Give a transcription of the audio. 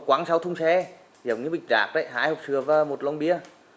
quăng sau thùng xe giống như bịch rác ấy hai hộp sữa và một lon bia